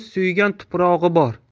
suygan tuprog'i bor